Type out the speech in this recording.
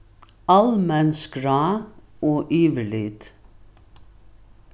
almenn skrá og yvirlit